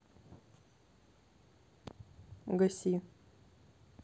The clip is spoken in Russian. гаси